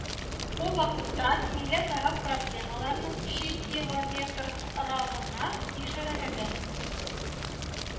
Ул вакытта милләтара проблемаларның чыкилометравына ишарәләде